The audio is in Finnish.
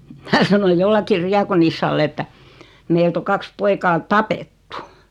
minä sanoin jollekin diakonissalle että meiltä on kaksi poikaa tapettu